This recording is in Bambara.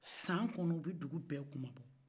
san kɔnɔ u bɛ dugu bɛɛ kunmabɔ